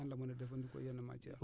nan la man a jëfandikoo yenn matières